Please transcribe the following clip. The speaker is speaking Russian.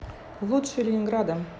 лучшие ленинграда